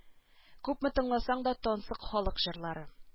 Күпме тыңласаң да тансык халык җырлары